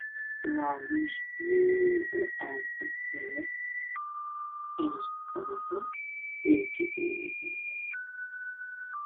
Waa wiish wayn oo aad udheer dherer wato midabkiisana waa jaalo